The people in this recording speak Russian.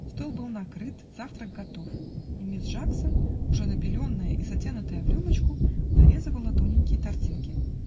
Стол был накрыт, завтрак готов, и мисс Жаксон, уже набеленная и затянутая в рюмочку, нарезывала тоненькие тартинки.